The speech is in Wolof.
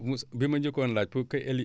Mous bi ma njëkkoon laaj pour que héli